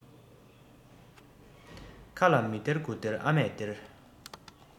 ཁ ལ མི སྟེར དགུ སྟེར ཨ མས སྟེར